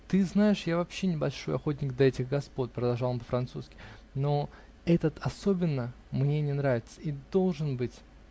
Ты знаешь, я вообще не большой охотник до этих господ, -- продолжал он по-французски, -- но этот особенно мне не нравится и должен быть.